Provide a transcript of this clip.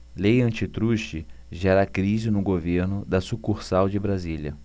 lei antitruste gera crise no governo da sucursal de brasília